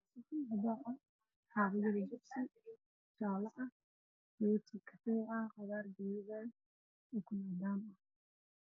Meeshaan waa dukaan waxa yaalo kaluun iyo qasacyo caano booro ah